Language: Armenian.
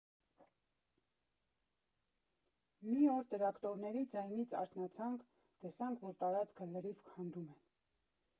Մի օր տրակտորների ձայնից արթնացանք, տեսանք, որ տարածքը լրիվ քանդում են։